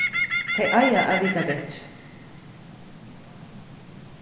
tey eiga at vita betri